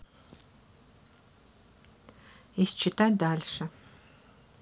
и считать дальше